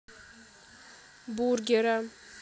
бургера